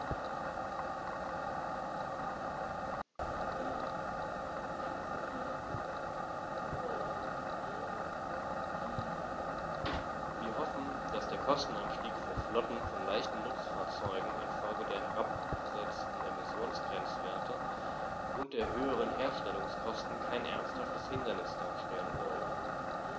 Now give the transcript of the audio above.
Wir hoffen, dass der Kostenanstieg für Flotten von leichten Nutzfahrzeugen in Folge der herabgesetzten Emissionsgrenzwerte und der höheren Herstellungskosten kein ernsthaftes Hindernis darstellen wird.